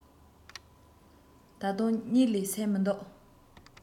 ད དུང གཉིད ལས སད མི འདུག